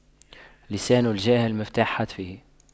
لسان الجاهل مفتاح حتفه